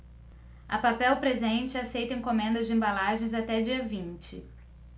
a papel presente aceita encomendas de embalagens até dia vinte